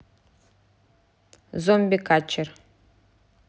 зомби катчер